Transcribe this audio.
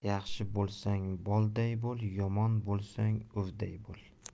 yaxshi bo'lsang bolday bo'l yomon bo'lsang uvday bo'l